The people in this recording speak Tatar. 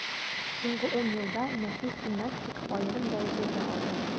Соңгы ун елда нәфис гимнастика аерым дәрәҗәгә алды.